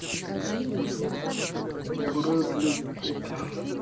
брэдли купер